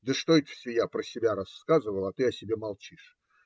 Да что это все я про себя рассказываю, а ты о себе молчишь?